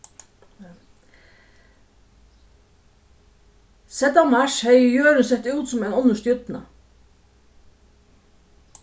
sædd av mars hevði jørðin sæð út sum ein onnur stjørna